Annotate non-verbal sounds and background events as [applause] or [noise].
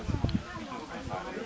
waaw [crosstalk]